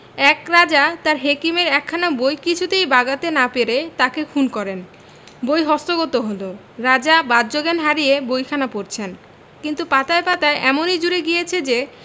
এক রাজা তাঁর হেকিমের একখানা বই কিছুতেই বাগাতে না পেরে তাঁকে খুন করেন বই হস্তগত হল রাজা বাহ্যজ্ঞান হারিয়ে বইখানা পড়ছেন কিন্তু পাতায় পাতায় এমনি জুড়ে গিয়েছে যে